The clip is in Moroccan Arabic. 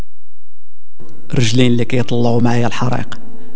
رجلين لقيت الله ومعي الحريق